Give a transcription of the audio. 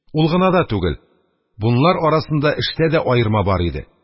Ул гына да түгел, бунлар арасында эштә дә аерма бар иде: